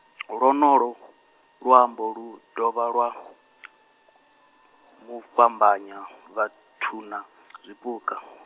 lwonolwu luambo lu dovha lwa, mufhambanyi vhathuna, zwipuka.